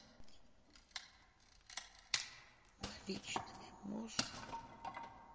наличными можно